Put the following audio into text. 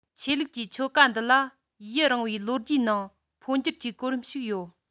ཆོས ལུགས ཀྱི ཆོ ག འདི ལ ཡུན རིང བའི ལོ རྒྱུས ནང འཕོ འགྱུར གྱི གོ རིམ ཞིག ཡོད